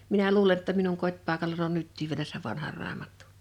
minä luulen jotta minun kotipaikallani on nytkin vielä sen vanhan raamattu